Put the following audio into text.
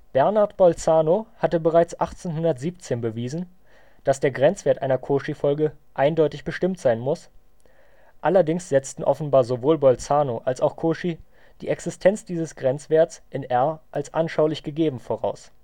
Bernard Bolzano hatte bereits 1817 bewiesen, dass der Grenzwert einer Cauchy-Folge eindeutig bestimmt sein muss, allerdings setzten offenbar sowohl Bolzano als auch Cauchy die Existenz dieses Grenzwerts in R als anschaulich gegeben voraus